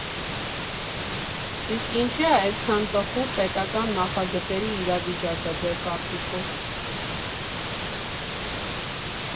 Իսկ ինչի՞ ա էսքան տխուր պետական նախագծերի իրավիճակը, ձեր կարծիքով։